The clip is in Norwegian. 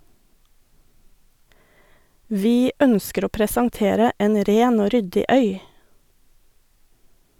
- Vi ønsker å presentere en ren og ryddig øy.